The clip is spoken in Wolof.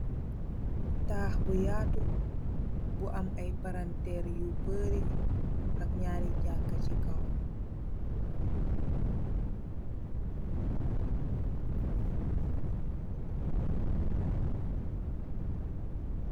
Taakh bu yaatu bu amm aiiy palanterre yu bari ak njaari jahkk cii kaww.